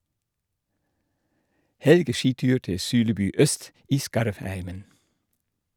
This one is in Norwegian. Helgeskitur til Sulebu øst i Skarvheimen.